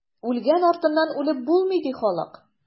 Үлгән артыннан үлеп булмый, ди халык.